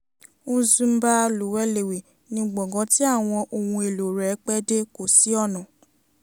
# Mzimba Luwelezi ni gbọ̀ngán tí àwọn ohun èlò rẹ̀ pẹ́ dé – kò sí ọ̀nà.